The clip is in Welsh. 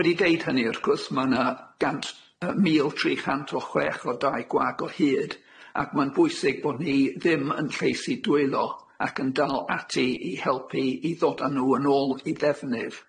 Wedi deud hynny wrth gwrs ma' 'na gant yy mil tri chant o chwech o dai gwag o hud ac ma'n bwysig bo' ni ddim yn lleisu dwylo ac yn dal ati i helpu i ddod â nw yn ôl i ddefnydd